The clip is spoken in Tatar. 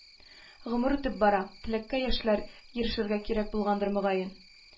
Гомер үтеп бара, теләккә яшьләй ирешергә кирәк булгандыр мөгаен